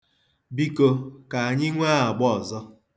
Biko, ka anyị nwee agba ọzọ.